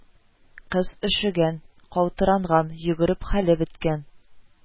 Кыз өшегән, калтыранган, йөгереп хәле беткән